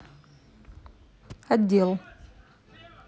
отдел